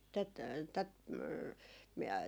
tätä tätä - minä